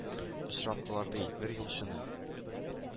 Очраттылар, ди, бер юлчыны.